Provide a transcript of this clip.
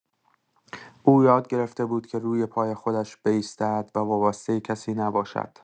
او یاد گرفته بود که روی پای خودش بایستد و وابستۀ کسی نباشد.